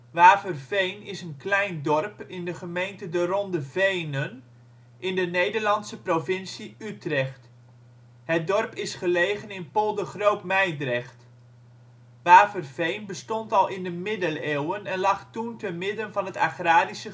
Waverveen is een klein dorp in de gemeente De Ronde Venen in de Nederlandse provincie Utrecht (provincie). Het dorp is gelegen in Polder Groot-Mijdrecht Waverveen bestond al in de middeleeuwen en lag toen te midden van het agrarische